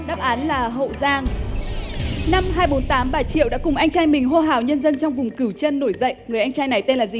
đáp án là hậu giang năm hai bốn tám bà triệu đã cùng anh trai mình hô hào nhân dân trong vùng cửu chân nổi dậy người anh trai này tên là gì